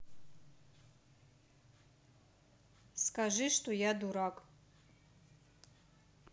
скажи что я дурак